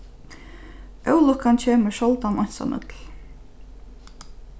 ólukkan kemur sjáldan einsamøll